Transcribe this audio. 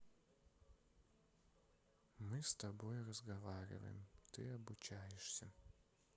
мы с тобой разговариваем ты обучаешься